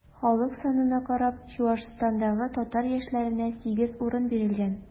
Халык санына карап, Чуашстандагы татар яшьләренә 8 урын бирелгән.